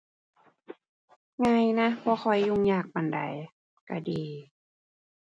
ง่ายนะ บ่ค่อยยุ่งยากปานใด ก็ดี